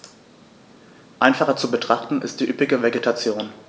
Einfacher zu betrachten ist die üppige Vegetation.